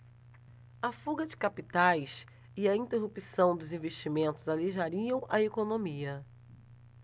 a fuga de capitais e a interrupção dos investimentos aleijariam a economia